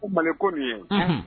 Ko Maliko min ye, unhun